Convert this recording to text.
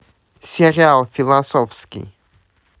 сериал философский